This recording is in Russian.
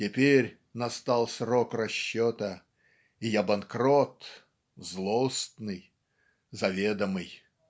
Теперь настал срок расчета, и я - банкрот, злостный, заведомый".